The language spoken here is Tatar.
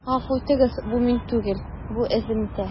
Гафу итегез, бу мин түгел, бу өземтә.